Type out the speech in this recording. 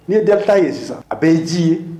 N' ye da ye sisan a bɛ ye ji ye